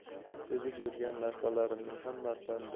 sezib yurgan narsalarimning hammasidan